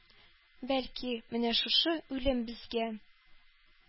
Бәлки, менә шушы үлем безгә